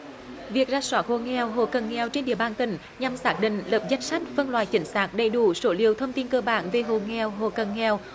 việc rà soát hộ nghèo hộ cận nghèo trên địa bàn tỉnh nhằm xác định lập danh sách phân loại chính xác đầy đủ số liệu thông tin cơ bản về hộ nghèo hộ cận nghèo